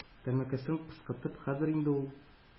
Тәмәкесен пыскытып, хәзер инде ул